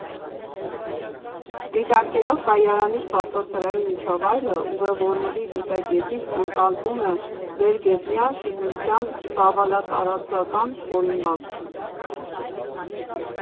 Դիտարկելով կայարանի սպասասրահի միջավայրը, ուղևորների դիտակետից, ընկալվում է վերգետնյա շինության ծավալատարածական հորինվածքը։